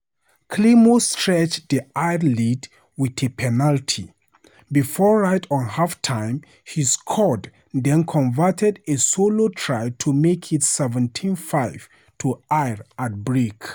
Climo stretched the Ayr lead with a penalty, before, right on half-time, he scored then converted a solo try to make it 17-5 to Ayr at the break.